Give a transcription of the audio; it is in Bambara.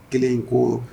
Kelen in ko